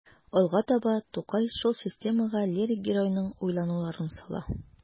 Алга таба Тукай шул системага лирик геройның уйлануларын сала.